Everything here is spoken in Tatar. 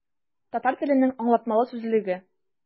Татар теленең аңлатмалы сүзлеге.